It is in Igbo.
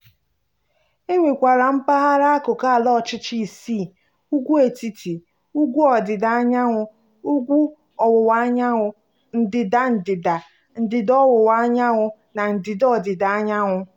E nwekwara mpaghara akụkụ ala ọchịchị isii : Ugwu Etiti, Ugwu Ọdịdaanyanwụ, Ugwu Ọwụwaanyanwụ, Ndịda Ndịda, Ndịda Ọwụwaanyanwụ, na Ndịda Ọdịdaanyanwụ.